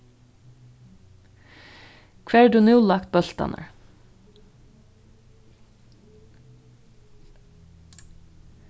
hvar hevur tú nú lagt bóltarnar